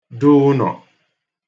du ụnọ̀